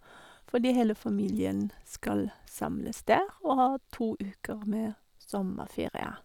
Fordi hele familien skal samles der og ha to uker med sommerferie.